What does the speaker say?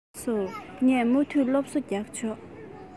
ལགས སོ ངས མུ མཐུད སློབ གསོ རྒྱབ ཆོག